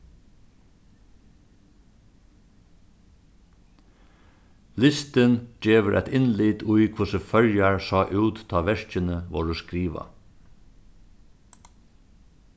listin gevur eitt innlit í hvussu føroyar sá út tá verkini vórðu skrivað